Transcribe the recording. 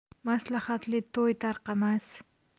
maslahatli to'y tarqamas